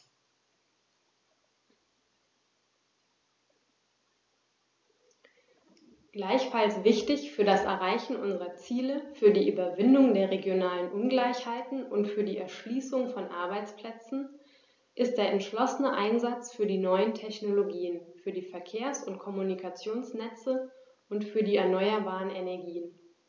Gleichfalls wichtig für das Erreichen unserer Ziele, für die Überwindung der regionalen Ungleichheiten und für die Erschließung von Arbeitsplätzen ist der entschlossene Einsatz für die neuen Technologien, für die Verkehrs- und Kommunikationsnetze und für die erneuerbaren Energien.